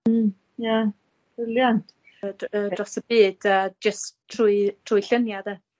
Hmm ie briliant. Ch'od yy dros y byd a jyst trwy trwy llunia' 'de?